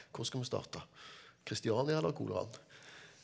hvor skal vi starte, Christiania eller koleraen?